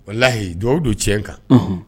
Wala lahiyi dɔw don tiɲɛ kan